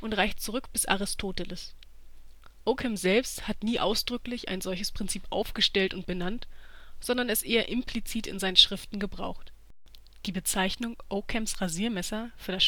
reicht zurück bis Aristoteles. Ockham selbst hat nie ausdrücklich ein solches Prinzip aufgestellt und benannt, sondern es eher implizit in seinen Schriften gebraucht. Die Bezeichnung Ockhams Rasiermesser für